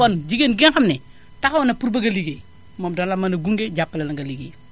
kon jigéen gi nga xam ne taxaw na pour bëgg a liggéey moom dana la mën a gunge jàppale la nga liggéey